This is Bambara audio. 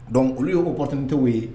Don olu y'o kopɔtontigiww ye